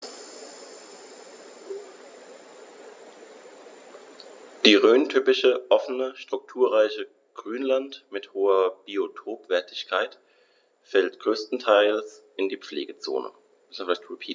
Das rhöntypische offene, strukturreiche Grünland mit hoher Biotopwertigkeit fällt größtenteils in die Pflegezone.